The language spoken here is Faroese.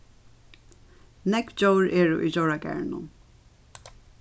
nógv djór eru í djóragarðinum